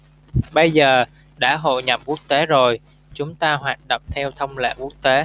bây giờ đã hội nhập quốc tế rồi chúng ta hoạt động theo thông lệ quốc tế